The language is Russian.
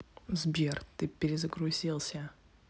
сбер ты перезагрузился